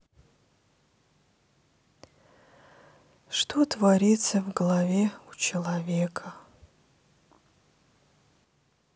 что творится в голове у человека